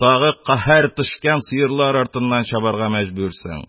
Тагы каһәр төшкән сыерлар артыннан чабарга мәҗбүрсең.